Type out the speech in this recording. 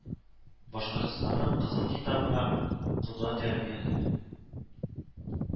Башкортстанның Кызыл китабына кода тәрбияләнә